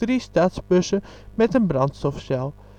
3 stadsbussen met een brandstofcel